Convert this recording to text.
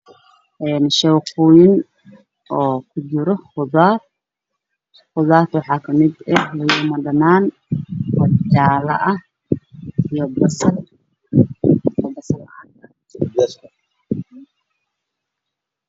Waxaa ii muuqdo shabaaqyo oo ay ku jiraan lindsaynaan oo midabkeedii ay jaallo iyo basal caddaan